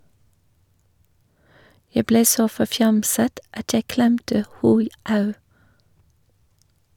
- Jeg ble så forfjamset at jeg klemte ho au.